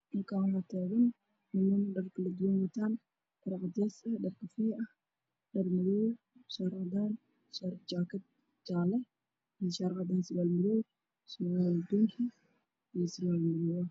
Kal kaan waxaa tagan niman wataan dhar kala duwan dhar madow ah dhar cadaan ah